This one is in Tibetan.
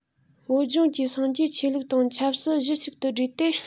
བོད ལྗོངས ཀྱི སངས རྒྱས ཆོས ལུགས དང ཆབ སྲིད གཞི གཅིག ཏུ སྦྲེལ ཏེ